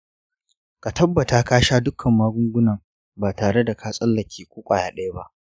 ka tabbata ka sha dukkan magungunan ba tare da ka tsallake ko kwaya daya ba.